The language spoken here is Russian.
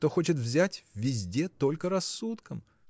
кто хочет взять везде только рассудком.